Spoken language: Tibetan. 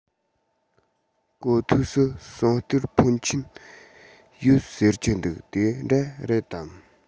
གོ ཐོས སུ ཟངས གཏེར འཕོན ཆེན ཡོད ཟེར གྱི འདུག དེ འདྲ རེད དམ